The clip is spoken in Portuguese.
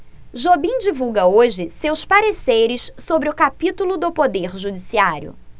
jobim divulga hoje seus pareceres sobre o capítulo do poder judiciário